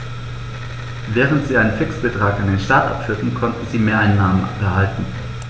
Während sie einen Fixbetrag an den Staat abführten, konnten sie Mehreinnahmen behalten.